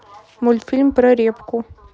мультфильм про репку